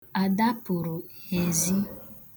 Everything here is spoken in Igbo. Ada pụrụ ezi.